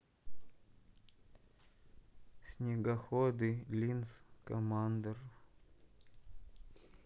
снегоходы линкс коммандер